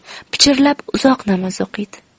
pichirlab uzoq namoz o'qiydi